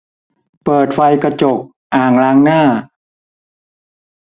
เปิดไฟกระจกอ่างล้างหน้า